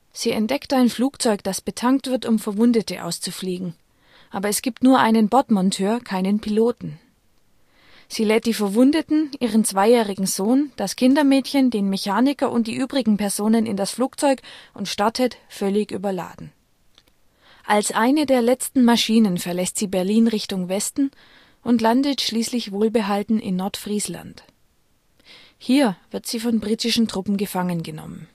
Sie entdeckt ein Flugzeug, das betankt wird, um Verwundete auszufliegen - aber es gibt nur einen Bordmonteur, keinen Piloten. Sie lädt die Verwundeten, ihren zweijährigen Sohn, das Kindermädchen, den Mechaniker und die übrigen Personen in das Flugzeug und startet völlig überladen. Als eine der letzten Maschinen verlässt sie Berlin Richtung Westen und landet schlussendlich wohlbehalten in Leck in Nordfriesland. Hier wird sie von britischen Truppen gefangen genommen